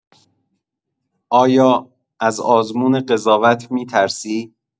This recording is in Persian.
آیا از آزمون قضاوت می‌ترسی؟